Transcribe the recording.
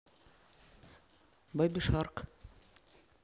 бэби шарк